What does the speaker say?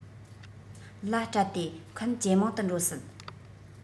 ལ སྤྲད དེ མཁན ཇེ མང དུ འགྲོ སྲིད